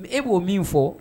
E b'o min fɔ